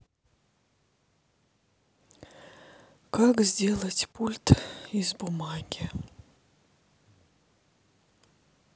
как сделать пульт из бумаги